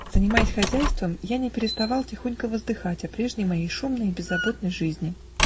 Занимаясь хозяйством, я не переставал тихонько воздыхать о прежней моей шумной и беззаботной жизни.